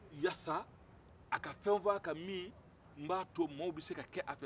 yaasa a ka fɛn fɔ a kan min b'a tɔ maaw bɛ se ka k'a fɛ